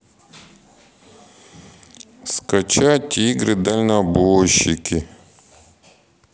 скачать игры дальнобойщики